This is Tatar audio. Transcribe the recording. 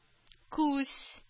Күз